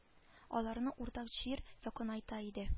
Аларны уртак чир якынайта иде